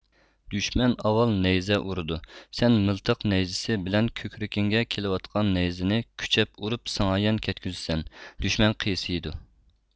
دۈشمەن ئاۋۋال نەيزە ئۇرىدۇ سەن مىلتىق نەيزىسى بىلەن كۆكرىكىڭگە كېلىۋاتقان نەيزىنى كۈچەپ ئۇرۇپ سىڭايان كەتكۈزىسەن دۈشمەن قىيسىيىدۇ